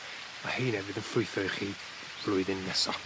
a heine fydd yn ffrwytho i chi flwyddyn nesa.